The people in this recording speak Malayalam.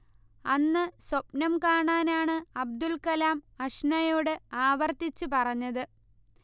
അന്ന് സ്വപ്നം കാണാനാണ് അബ്ദുൾക്കലാം അഷ്നയോട് ആവർത്തിച്ച് പറഞ്ഞത്